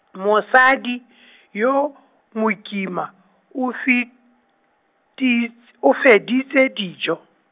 mosadi , yo, mokima, o si- tits-, o feditse dijo.